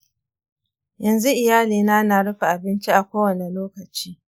yanzu iyalina na rufe abinci a kowane lokaci.